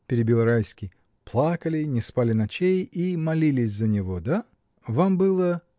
— перебил Райский, — плакали, не спали ночей и молились за него? Да? Вам было.